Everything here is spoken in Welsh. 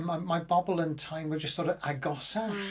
Mae mae pobl yn teimlo jyst agosach.